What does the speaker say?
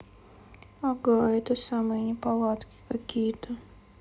ага это самое неполадки какие то